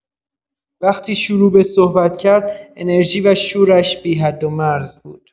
وقتی شروع به صحبت کرد، انرژی و شورش بی‌حد و مرز بود.